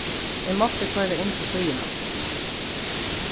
eg mátti koyra inn til síðuna